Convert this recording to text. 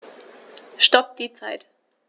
Stopp die Zeit